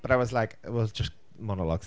But I was like, well, just monologues.